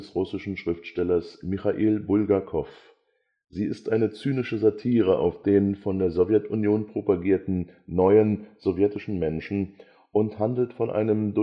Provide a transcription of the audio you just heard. russischen Schriftstellers Michail Bulgakow. Sie eine zynische Satire auf den, von der Sowjetunion propagierten, „ neuen sowjetischen Menschen “und handelt von einem